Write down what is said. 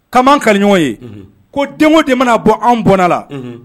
Ka kaɲɔgɔn ye ko den de mana bɔ anw bɔn la